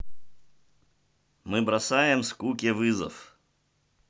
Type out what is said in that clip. мы бросаем скуке вызов